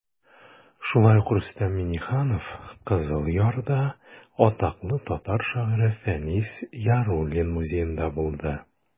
Шулай ук Рөстәм Миңнеханов Кызыл Ярда атаклы татар шагыйре Фәнис Яруллин музеенда булды.